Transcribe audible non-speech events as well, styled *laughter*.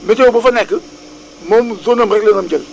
météo bu fa nekk *noise* moom zone am rek la doon jël